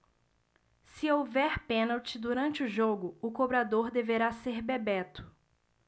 se houver pênalti durante o jogo o cobrador deverá ser bebeto